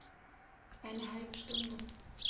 Eine halbe Stunde